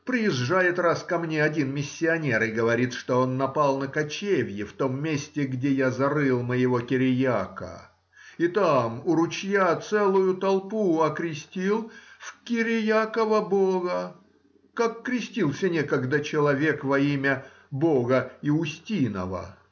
Приезжает раз ко мне один миссионер и говорит, что он напал на кочевье в том месте, где я зарыл моего Кириака, и там, у ручья, целую толпу окрестил в Кириакова бога, как крестился некогда человек во имя бога Иустинова.